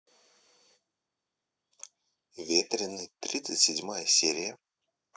ветреный тридцать седьмая серия